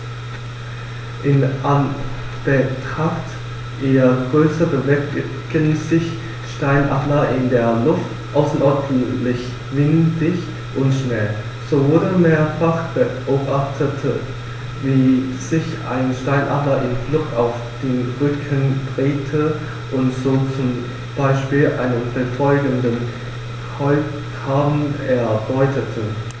In Anbetracht ihrer Größe bewegen sich Steinadler in der Luft außerordentlich wendig und schnell, so wurde mehrfach beobachtet, wie sich ein Steinadler im Flug auf den Rücken drehte und so zum Beispiel einen verfolgenden Kolkraben erbeutete.